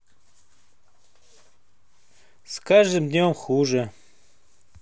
с каждым днем хуже